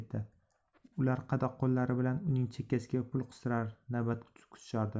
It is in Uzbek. ular qadoq qo'llari bilan uning chekkasiga pul qistirar navbat kutishardi